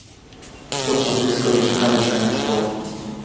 курс английского языка начальная школа